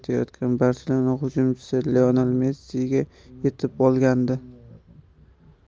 etayotgan barselona hujumchisi lionel messiga yetib olgandi